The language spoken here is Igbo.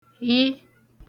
yị